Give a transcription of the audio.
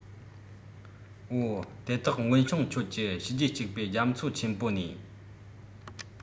འོ དེ དག སྔོན བྱུང ཁྱོད ཀྱི བྱས རྗེས སྐྱུག པའི རྒྱ མཚོ ཆེན པོ ནས